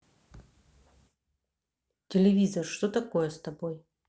телевизор что такое с тобой